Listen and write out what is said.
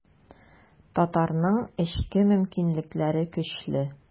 Татарның эчке мөмкинлекләре көчле.